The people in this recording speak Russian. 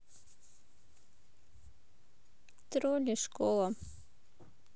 тролли школа